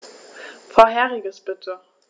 Vorheriges bitte.